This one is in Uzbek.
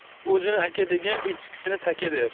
o'zini aka degan echkisini taka der